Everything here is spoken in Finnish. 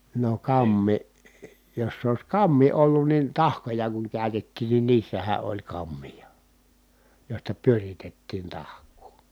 no kampi jos se olisi kampi ollut niin tahkoja kun käytettiin niin niissähän oli kampia joista pyöritettiin tahkoa